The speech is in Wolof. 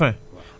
ba fin